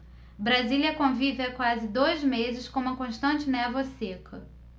brasília convive há quase dois meses com uma constante névoa seca